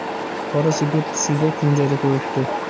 qora sigir tushida kunjara ko'ribdi